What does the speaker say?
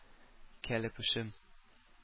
Кәләпүшем